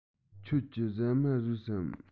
ཁྱེད ཀྱིས ཟ མ ཟོས སམ